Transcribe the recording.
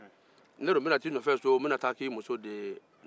ne dun bɛna taa i nɔfɛ so n bɛ taa kɛ i muso ye